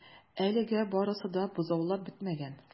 Әлегә барысы да бозаулап бетмәгән.